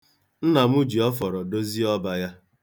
Nna m ji ọfọrọ dozie ọba ya.